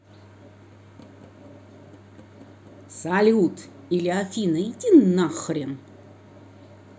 салют или афина иди нахрен